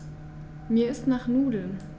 Mir ist nach Nudeln.